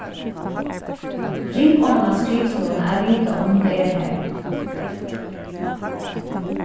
ring oman á skrivstovuna at vita um hon er har